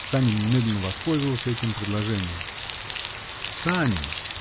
Санин немедленно воспользовался этим предложением. "Санин!